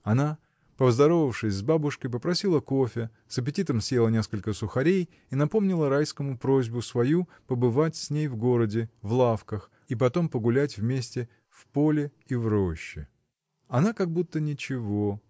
Она, поздоровавшись с бабушкой, попросила кофе, с аппетитом съела несколько сухарей и напомнила Райскому просьбу свою побывать с ней в городе, в лавках, и потом погулять вместе в поле и в роще. Она как будто ничего.